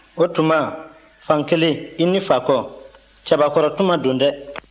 o tuma fankelen i ni fako cɛbakɔrɔkuma don dɛ